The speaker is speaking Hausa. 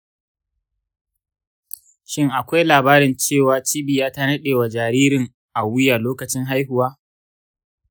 shin akwai labarin cewa cibiya ta naɗe wa jaririn a wuya lokacin haihuwa?